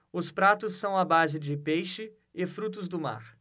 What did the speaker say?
os pratos são à base de peixe e frutos do mar